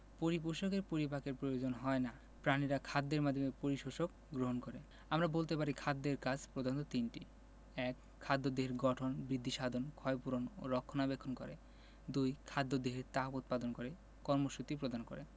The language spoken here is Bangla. পরিপোষকের পরিপাকের প্রয়োজন হয় না প্রাণীরা খাদ্যের মাধ্যমে পরিপোষক গ্রহণ করে আমরা বলতে পারি খাদ্যের কাজ প্রধানত তিনটি ১. খাদ্য দেহের গঠন বৃদ্ধিসাধন ক্ষয়পূরণ ও রক্ষণাবেক্ষণ করে ২. খাদ্য দেহে তাপ উৎপাদন করে কর্মশক্তি প্রদান করে